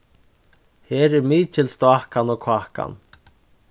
her er mikil stákan og kákan